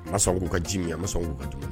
A sɔn k'u ka ji min ye a ma sɔn ka di